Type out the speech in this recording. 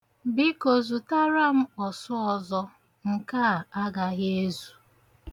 Biko zụtara m ọsụ ozo, nke a agaghị ezu.